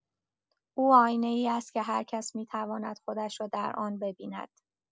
او آینه‌ای است که هر کسی می‌تواند خودش را در آن ببیند.